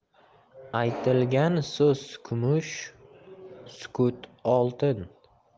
aytilgan so'z kumush sukut oltin